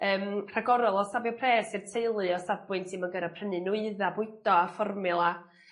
yym rhagorol o safio pres i'r teulu o safbwynt ti'm yn gor'o' prynu nwydda bwydo a fformiwla